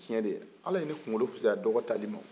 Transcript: cɛn do ala ye ne kunkolo fisaya dɔgɔ tali ma